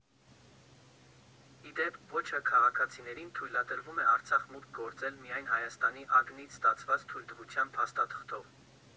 Ի դեպ, ոչ ՀՀ քաղաքացիներին թույլատրվում է Արցախ մուտք գործել միայն Հայաստանի ԱԳՆ֊ից ստացված թույլտվության փաստաթղթով։